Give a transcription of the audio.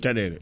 caɗele